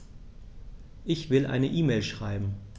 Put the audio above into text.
Ich will eine E-Mail schreiben.